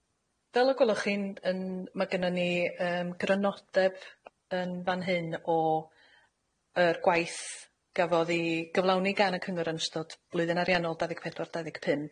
Fel y gwelwch chi'n yn yn... Ma' gynnon ni yym grynodeb yn fan hyn o yr gwaith gafodd 'i gyflawni gan y cyngor yn ystod blwyddyn ariannol dau ddeg pedwar dau ddeg pump.